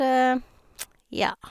Ja.